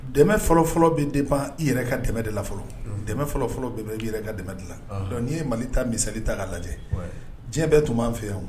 Dɛ fɔlɔ fɔlɔ bɛ de ban i yɛrɛ ka dɛmɛ de la fɔlɔ dɛ fɔlɔ fɔlɔ bɛ ii yɛrɛ ka dɛmɛ dilan la dɔn n'i ye mali ta misali ta ka lajɛ diɲɛ bɛ tun b'an fɛ yan